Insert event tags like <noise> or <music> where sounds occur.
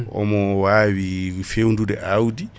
omo wawii <hesitation> fewnude awdi